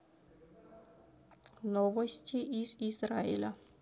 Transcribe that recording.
новости из израиля